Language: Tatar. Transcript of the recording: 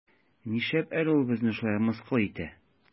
Нишләп әле ул безне шулай мыскыл итә?